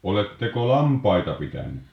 oletteko lampaita pitänyt